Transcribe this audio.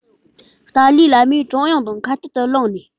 ཏཱ ལའི བླ མས ཀྲུང དབྱང དང ཁ གཏད དུ ལངས ནས